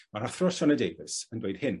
ma'r Athro Sioned Davies yn dweud hyn.